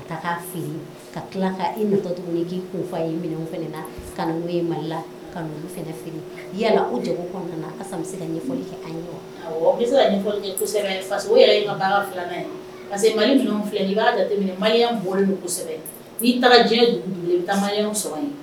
Fili ka tila k'i kun ye yala o se ka ɲɛfɔ kɛ parce que'a n'i taara sɔrɔ